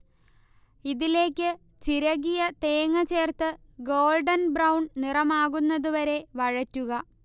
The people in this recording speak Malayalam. ഇതിലേക്ക് ചിരകിയ തേങ്ങ ചേർത്ത് ഗോൾഡൻ ബ്രൌൺ നിറമാകുന്നതുവരെ വഴറ്റുക